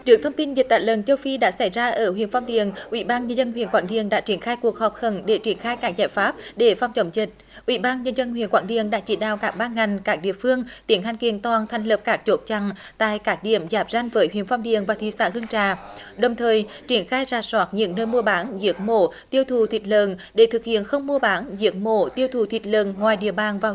trước thông tin dịch tả lợn châu phi đã xảy ra ở huyện phong điền ủy ban nhân dân huyện quảng điền đã triển khai cuộc họp khẩn để triển khai các giải pháp để phòng chống dịch ủy ban nhân dân huyện quảng điền đã chỉ đạo các ban ngành các địa phương tiến hành kiện toàn thành lập các chốt chặn tại các điểm giáp ranh với huyện phong điền và thị xã hương trà đồng thời triển khai rà soát những nơi mua bán giết mổ tiêu thụ thịt lợn để thực hiện không mua bán giết mổ tiêu thụ thịt lợn ngoài địa bàn và